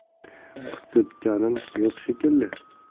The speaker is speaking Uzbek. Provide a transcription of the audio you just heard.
qistayotganim yo'q shekilli